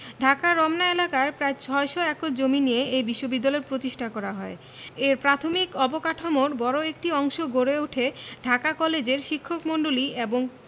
ঢাকার রমনা এলাকার প্রায় ৬০০ একর জমি নিয়ে এ বিশ্ববিদ্যালয় প্রতিষ্ঠা করা হয় এর প্রাথমিক অবকাঠামোর বড় একটি অংশ গড়ে উঠে ঢাকা কলেজের শিক্ষকমন্ডলী এবং